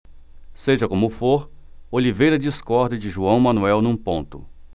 seja como for oliveira discorda de joão manuel num ponto